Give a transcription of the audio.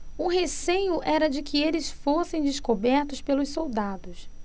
o receio era de que eles fossem descobertos pelos soldados